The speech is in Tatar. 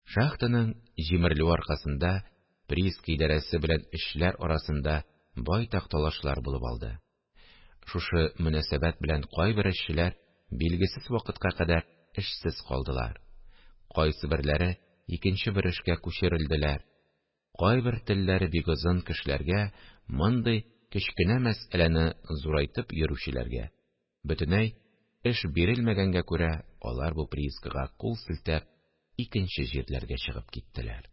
Шахтаның җимерелүе аркасында прииска идарәсе белән эшчеләр арасында байтак талашлар булып алды: шушы мөнәсәбәт белән кайбер эшчеләр билгесез вакытка кадәр эшсез калдылар; кайсыберләре икенче бер эшкә күчерелделәр; кайбер «телләре бик озын» кешеләргә, мондый «кечкенә мәсьәлә»не зурайтып йөрүчеләргә, бөтенләй эш бирелмәгәнгә күрә, алар бу приискага кул селтәп, икенче җирләргә чыгып киттеләр